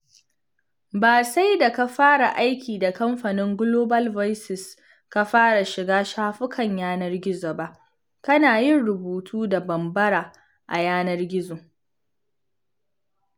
Q: Ba sai da ka fara aiki da Kamfanin Global Voices ka fara shiga shafukan yanar gizo ba, kana yin rubutu da Bambara a yanar gizo